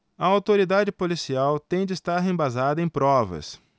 a autoridade policial tem de estar embasada em provas